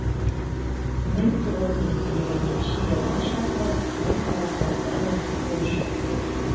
1920 елга чаклы кай тарафлардадыр сугышып йөри.